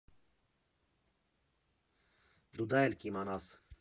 Դու դա էլ կիմանաս։